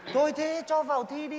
thôi thế cho vào thi đi